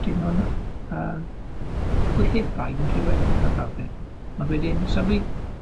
Dim on' yy yy chwithig braidd yn clywed yy y frawddeg, ond wedyn, sylwi